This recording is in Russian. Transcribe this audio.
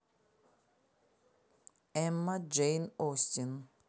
эмма джейн остин